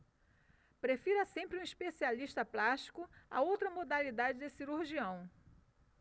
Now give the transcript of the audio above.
prefira sempre um especialista plástico a outra modalidade de cirurgião